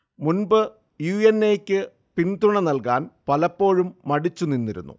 മുൻപ് U. N. A. യ്ക്ക് പിന്തുണ നൽകാൻ പലപ്പോഴും മടിച്ച് നിന്നിരുന്നു